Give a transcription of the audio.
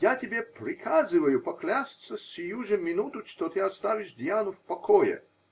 -- Я тебе приказываю поклясться сию же минуту, что ты оставишь Диану в покое!